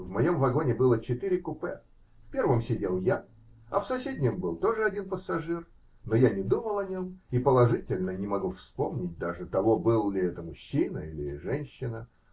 В моем вагоне было четыре купе: в первом сидел я, а в соседнем был тоже один пассажир, но я не думал о нем и положительно не могу вспомнить даже того, был ли это мужчина или женщина.